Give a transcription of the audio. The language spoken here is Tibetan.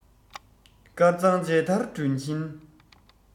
དཀར གཙང མཇལ དར སྒྲོན གྱིན